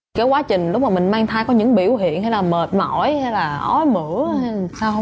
cái quá trình lúc mà mình mang thai có những biểu hiện hay là mệt mỏi hay là ói mửa hay là sao hông